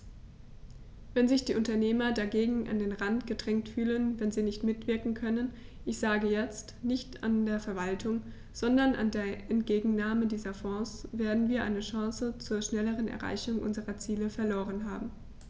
Wenn sich die Unternehmer dagegen an den Rand gedrängt fühlen, wenn sie nicht mitwirken können ich sage jetzt, nicht nur an der Verwaltung, sondern an der Entgegennahme dieser Fonds , werden wir eine Chance zur schnelleren Erreichung unserer Ziele verloren haben.